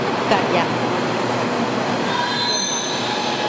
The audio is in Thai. ก็อยากให้เขาเก็บข้อมูลส่วนก็เป็นความลับ